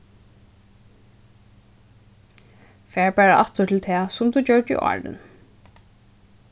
far bara aftur til tað sum tú gjørdi áðrenn